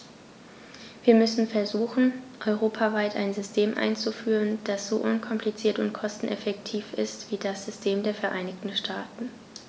Wir müssen versuchen, europaweit ein System einzuführen, das so unkompliziert und kosteneffektiv ist wie das System der Vereinigten Staaten.